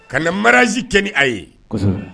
Ka na maraz tɛ ni a ye